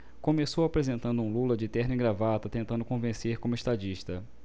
começou apresentando um lula de terno e gravata tentando convencer como estadista